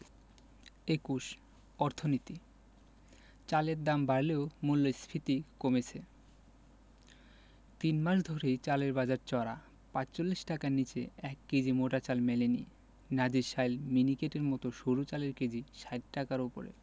২১ অর্থনীতি চালের দাম বাড়লেও মূল্যস্ফীতি কমেছে তিন মাস ধরেই চালের বাজার চড়া ৪৫ টাকার নিচে ১ কেজি মোটা চাল মেলেনি নাজিরশাইল মিনিকেটের মতো সরু চালের কেজি ৬০ টাকার ওপরে